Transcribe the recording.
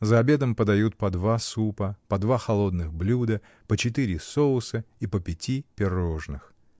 За обедом подают по два супа, по два холодных блюда, по четыре соуса и по пяти пирожных.